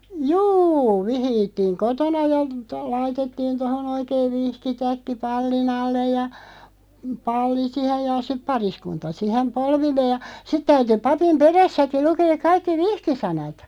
juu vihittiin kotona ja - laitettiin tuohon oikein vihkitäkki pallin alle ja palli siihen ja sitten pariskunta siihen polvilleen ja sitten täytyi papin perässäkin lukea kaikki vihkisanat